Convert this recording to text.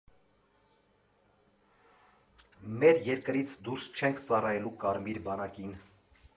Մեր երկրից դուրս չենք ծառայելու Կարմիր բանակին։